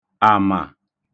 àmà